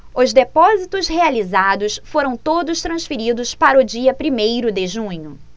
os depósitos realizados foram todos transferidos para o dia primeiro de junho